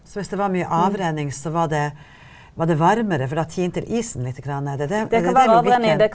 så hvis det var mye avrenning så var det var det varmere for da tinte isen lite granne, er det det ?